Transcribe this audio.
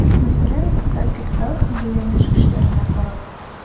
Мәсәлән, социаль капитал һәм бәйләнеш көчләренә карап.